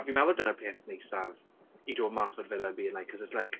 A fi'n meddwl dyna'r peth neisaf i dod mas o'r villa being like cause it's like...